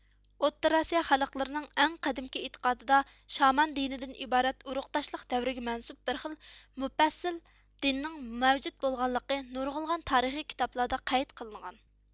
ئوتتۇرا ئاسىيا خەلقلىرىنىڭ ئەڭ قەدىمكى ئېتىقادىدا شامان دىنىدىن ئىبارەت ئۇرۇقداشلىق دەۋرىگە مەنسۇپ بىر خىل مۇپەسسەل دىننىڭ مەۋجۇت بولغانلىقى نۇرغۇنلىغان تارىخىي كىتابلاردا قەيت قىلىنغان